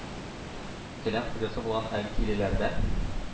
Келәм хуҗасы булган әлкилеләрдән